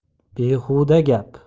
behuda gap